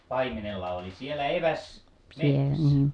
paimenella oli siellä eväs metsässä